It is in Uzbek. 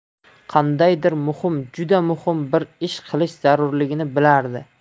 qandaydir muhim juda muhim bir ish qilish zarurligini bilardi